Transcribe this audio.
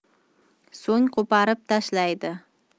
so'ng qo'porib tashlaydi